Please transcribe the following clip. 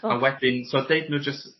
A wedyn t'od deud n'w jyst